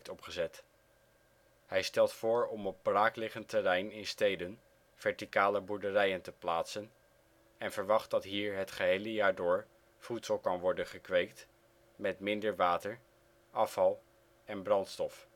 opgezet. Hij stelt voor om op braakliggend terrein in steden verticale boerderijen te plaatsen en verwacht dat hier het gehele jaar door voedsel kan worden gekweekt, met minder water, afval en brandstof